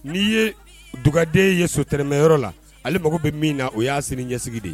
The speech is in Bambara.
N' ye dugden ye sotɛmɛyɔrɔ la ale mako bɛ min na o y'a siri ɲɛsigi de ye